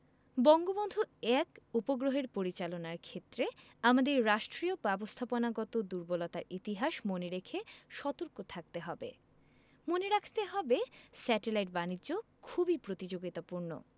বঙ্গবন্ধু ১ উপগ্রহের পরিচালনার ক্ষেত্রে আমাদের রাষ্ট্রীয় ব্যবস্থাপনাগত দূর্বলতার ইতিহাস মনে রেখে সতর্ক থাকতে হবে মনে রাখতে হবে স্যাটেলাইট বাণিজ্য খুবই প্রতিযোগিতাপূর্ণ